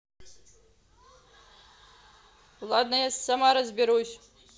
ладно я сама разберусь